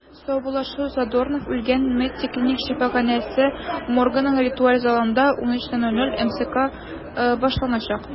Саубуллашу Задорнов үлгән “МЕДСИ” клиник шифаханәсе моргының ритуаль залында 13:00 (мск) башланачак.